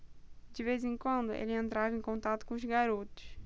de vez em quando ele entrava em contato com os garotos